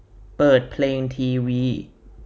เปิดเพลงทีวี